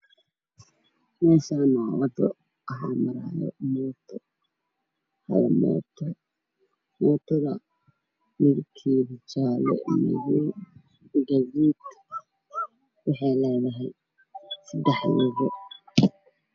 Meshan waa wado waxamaraya moto midabkedu waa madow gaduud waxey ledahay sadex lugod